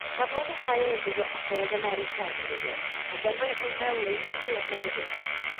Ma' blode haul yn dod o ogledd America yn wreiddiol ac er mai rhai melyn sy fwy adnabyddus